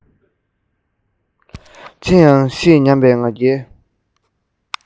ཅི ཡང ཤེས སྙམ པའི ང རྒྱལ